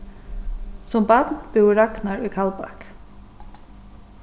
sum barn búði ragnar í kaldbak